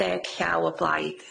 Deg llaw o blaid.